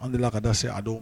An de la ka ta se a dɔw